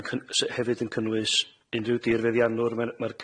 yn cyn- sy- hefyd yn cynnwys unryw dirfeiddianwr ma' n- ma'r